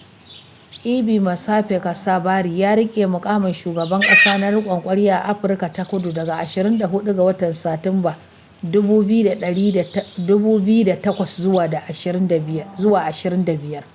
Ivy Matsepe-Cassaburi ya riƙe muƙamin Shugaban ƙasa na riƙon ƙwarya a Afirka ta Kudu daga 24 ga watan Satumbar 2008 zuwa 25.